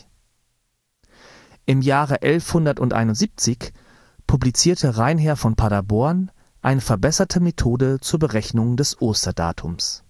Im Jahre 1171 publizierte Reinher von Paderborn eine verbesserte Methode zur Berechnung des Osterdatums